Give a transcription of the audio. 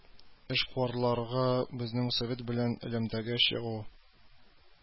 Эшкуарларга безнең Совет белән элемтәгә чыгу